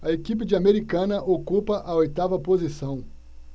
a equipe de americana ocupa a oitava posição